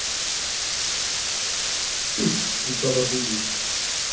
письки бабабуль